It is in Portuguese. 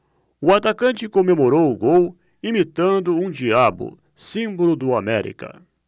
o atacante comemorou o gol imitando um diabo símbolo do américa